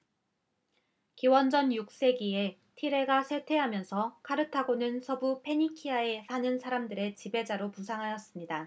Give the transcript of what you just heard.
기원전 육 세기에 티레가 쇠퇴하면서 카르타고는 서부 페니키아에 사는 사람들의 지배자로 부상하였습니다